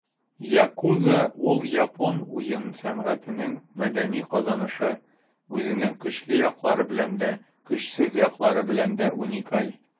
Yakuza - ул япон уен сәнәгатенең мәдәни казанышы, үзенең көчле яклары белән дә, көчсез яклары белән дә уникаль.